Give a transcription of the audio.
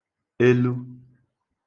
elu